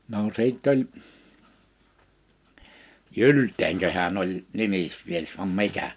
no sitten oli Gyldenköhän oli nimismies vai mikä